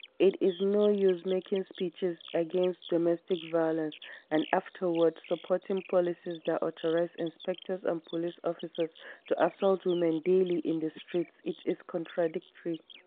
It is no use making speeches against domestic violence and afterward supporting policies that authorize inspectors and police officers to assault women daily in the streets, it’s contradictory!